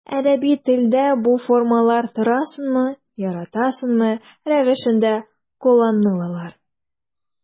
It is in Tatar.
Әдәби телдә бу формалар торасыңмы, яратасыңмы рәвешендә кулланылалар.